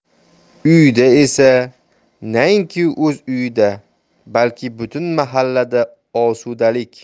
uyida esa nainki o'z uyida balki butun mahallada osudalik